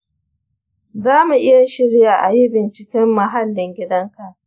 za mu iya shirya a yi binciken muhallin gidanka.